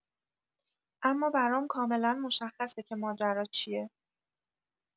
اما برام کاملا مشخصه که ماجرا چیه.